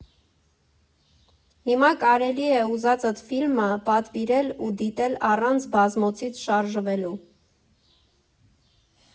Հիմա կարելի է ուզածդ ֆիլմը պատվիրել ու դիտել առանց բազմոցից շարժվելու։